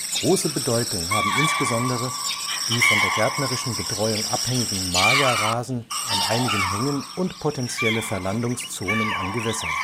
Große Bedeutung haben insbesondere die von der gärtnerischen Betreuung abhängigen Magerrasen an einigen Hängen und potentielle Verlandungszonen an Gewässern